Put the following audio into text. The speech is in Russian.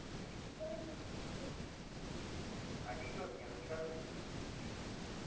анекдот мне расскажешь